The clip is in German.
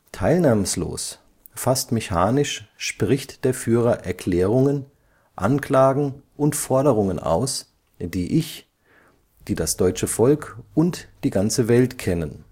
Teilnahmslos, fast mechanisch spricht der Führer Erklärungen, Anklagen und Forderungen aus, die ich, die das deutsche Volk und die ganze Welt kennen